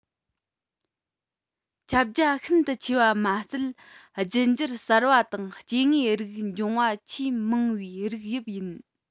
ཁྱབ རྒྱ ཤིན ཏུ ཆེ བ མ ཟད རྒྱུད འགྱུར གསར པ དང སྐྱེ དངོས རིགས འབྱུང བ ཆེས མང བའི རིགས དབྱིབས ཡིན